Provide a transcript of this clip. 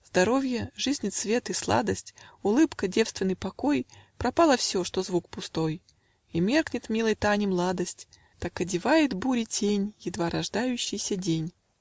Здоровье, жизни цвет и сладость, Улыбка, девственный покой, Пропало все, что звук пустой, И меркнет милой Тани младость: Так одевает бури тень Едва рождающийся день.